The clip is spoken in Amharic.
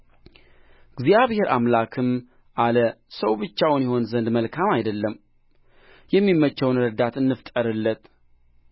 እግዚአብሔር አምላክም አለ ሰው ብቻውን ይሆን ዘንድ መልካም አይደለም የሚመቸውን ረዳት እንፍጠርለት